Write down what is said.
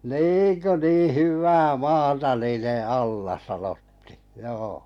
niin kun niin hyvää maata niiden alla sanottiin joo